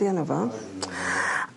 ...'di enw fo.